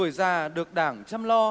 tuổi già được đảng chăm lo